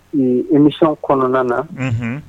Imi kɔnɔna na